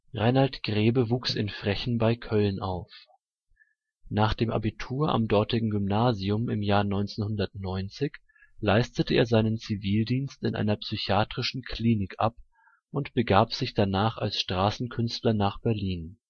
Rainald Grebe wuchs in Frechen bei Köln auf. Nach dem Abitur am dortigen Gymnasium im Jahr 1990 leistete er seinen Zivildienst in einer psychiatrischen Klinik ab und begab sich danach als Straßenkünstler nach Berlin